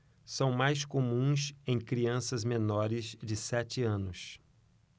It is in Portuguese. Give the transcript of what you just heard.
são mais comuns em crianças menores de sete anos